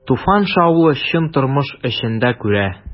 Туфан шаулы, чын тормыш эчендә күрә.